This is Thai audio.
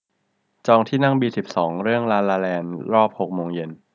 จองที่นั่งบีสิบสองเรื่องลาลาแลนด์รอบหกโมงเย็น